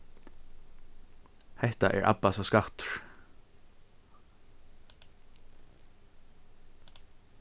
hetta er abbasa skattur